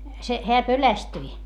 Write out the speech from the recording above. se hän pelästyi